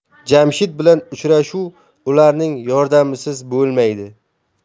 jamshid bilan uchrashuv ularning yordamisiz bo'lmaydi